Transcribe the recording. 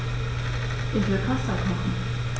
Ich will Pasta kochen.